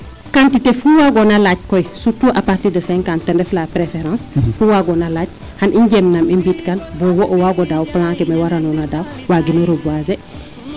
quantité fuu wagoona laac koy surtout a partir de cinquante te ref la preference fu waago na laac xan i njeem nam i mbi it kan bo o waago daaw plan ke me waranoona daaw wagino reboiser